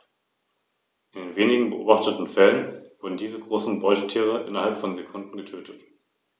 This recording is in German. Der Nacken ist goldgelb.